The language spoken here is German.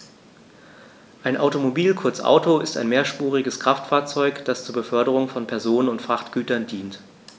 Ein Automobil, kurz Auto, ist ein mehrspuriges Kraftfahrzeug, das zur Beförderung von Personen und Frachtgütern dient.